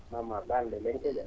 Mamma Balde Lenke Ja?